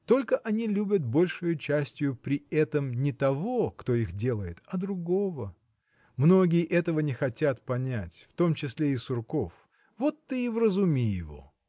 Только они любят большею частью при этом не того кто их делает а другого. Многие этого не хотят понять в том числе и Сурков – вот ты и вразуми его.